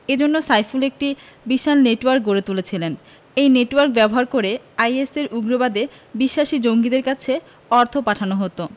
এ জন্য সাইফুল একটি বিশাল নেটওয়ার্ক গড়ে তুলেছিলেন এই নেটওয়ার্ক ব্যবহার করে আইএসের উগ্রবাদে বিশ্বাসী জঙ্গিদের কাছে অর্থ পাঠানো হতো